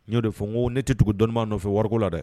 N'o de fɔ ko ne tɛ dugu dɔnniinma nɔfɛ wariko la dɛ